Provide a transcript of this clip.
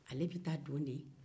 ale bɛ taa don de